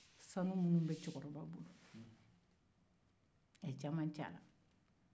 sanu minnuw bɛ cɛkɔrɔba bolo a ye caman cɛ a la